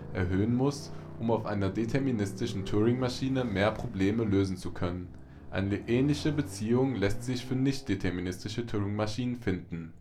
erhöhen muss, um auf einer deterministischen Turingmaschine mehr Probleme lösen zu können. Eine ähnliche Beziehung lässt sich für nichtdeterministische Turingmaschinen finden